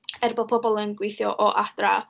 Er bo' pobl yn gweithio o adra.